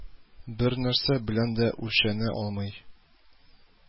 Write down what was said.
Бернәрсә белән дә үлчәнә алмый